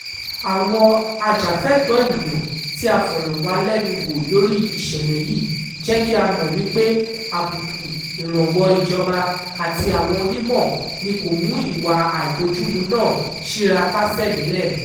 Àwọn ajàfẹ́tọ̀ọ́-ènìyàn tí a fọ̀rọ̀ wá lẹ́nu wò lórí ìṣẹ̀lẹ̀ yìí jẹ́ kí á mọ̀ wípé àbùkù ìrànwọ́ ìjọba àti àwọn onímọ̀ ni kò mú ìwà àìbójúmu náà ṣíra kásẹ̀ ńlẹ̀.